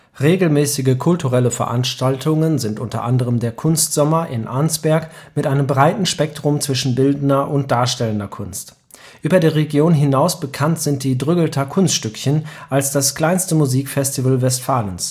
Regelmäßige kulturelle Veranstaltungen sind unter anderem der „ Kunstsommer “in Arnsberg mit einem breiten Spektrum zwischen bildender und darstellender Kunst. Über die Region hinaus bekannt sind die „ Drüggelter Kunststückchen “als das kleinste Musikfestival Westfalens